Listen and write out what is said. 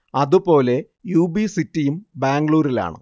അതു പോലെ U B സിറ്റിയും ബാംഗ്ലൂരിലാണ്